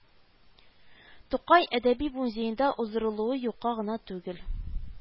Тукай әдәби музеенда уздырылуы юкка гына түгел